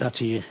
'Na ti.